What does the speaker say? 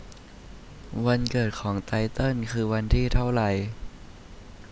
วันเกิดของไตเติ้ลคือวันที่เท่าไร